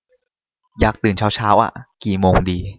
อยากตื่นเช้าเช้าอะกี่โมงดี